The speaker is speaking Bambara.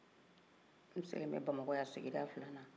n sigi bɛ bamako yan sigida filalan